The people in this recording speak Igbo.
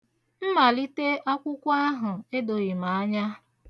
Mmalite akwụkwọ ahụ edoghị m anya.